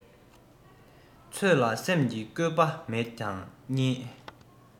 ཚོད ལ སེམས ཀྱི བཀོད པ མེད དང གཉིས